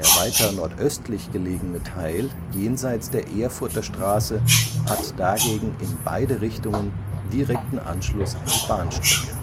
weiter nordöstlich gelegene Teil jenseits der Erfurter Straße hat dagegen in beide Richtungen direkten Anschluss an die Bahnstrecke